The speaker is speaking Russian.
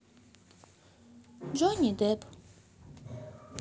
джонни депп